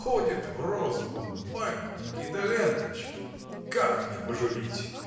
Ходит в розовом, бантики да ленточки. Как не пожурить!